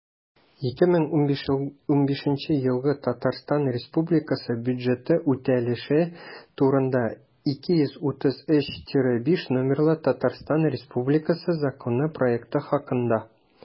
«2015 елгы татарстан республикасы бюджеты үтәлеше турында» 233-5 номерлы татарстан республикасы законы проекты хакында